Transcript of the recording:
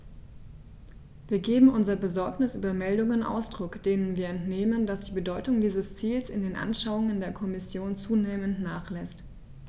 Wir geben unserer Besorgnis über Meldungen Ausdruck, denen wir entnehmen, dass die Bedeutung dieses Ziels in den Anschauungen der Kommission zunehmend nachlässt.